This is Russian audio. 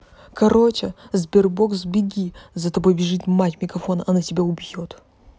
короче sberbox беги за тобой бежит мать мегафон она тебя убьет